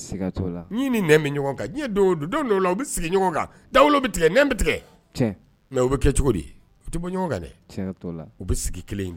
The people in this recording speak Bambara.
Bɛ sigi da bɛ tigɛ bɛ tigɛ mɛ bɛ kɛ cogo di tɛ bɔ ɲɔgɔn kan dɛ u bɛ sigi kelen